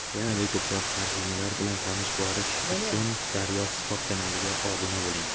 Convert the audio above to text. yanada ko'proq tarjimalar bilan tanish borish uchun daryo sport kanaliga obuna bo'ling